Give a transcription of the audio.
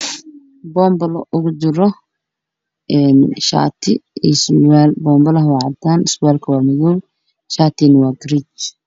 Waa boonbalo waxaa kujiro shaati iyo surwaal, boonbaluhu waa cadaan, surwaalka waa madow, shaatigana waa gareej.